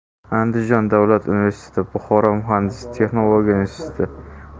andijon davlat universiteti buxoro muhandislik texnologiya instituti